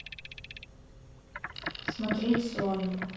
смотреть соник